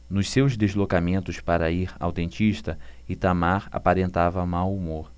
nos seus deslocamentos para ir ao dentista itamar aparentava mau humor